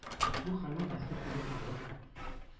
Бу хәлне Әсир күреп алып,